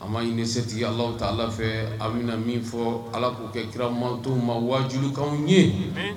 A ma ɲini setigi ala ta ala fɛ aw bɛna min fɔ ala k'o kɛ kiramantɔn ma wajukan ɲɛ